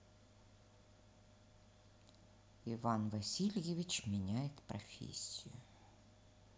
иван васильевич меняет профессию